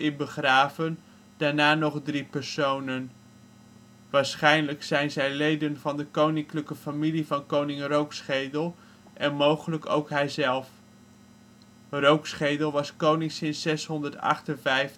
begraven, daarna nog drie personen. Waarschijnlijk zijn zij leden van de koninklijke familie van koning Rook-schedel en mogelijk ook hijzelf. Rook-schedel was koning sinds 658